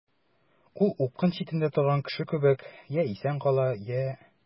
Ул упкын читендә торган кеше кебек— я исән кала, я...